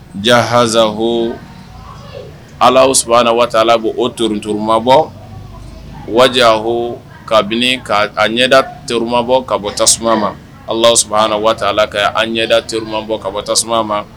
Jaahazsa ko ala saba a waatibɔ o toon turumabɔ wa kabini' a ɲɛda teurumabɔ ka bɔ tasuma ma ala s na waati ka ɲɛda teriuruma bɔ ka bɔ tasuma a ma